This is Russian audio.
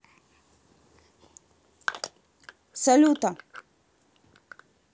салюта